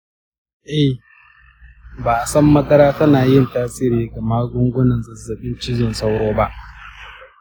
eh, ba a san madara tana yin tasiri ga magungunan zazzabin cizon sauro ba.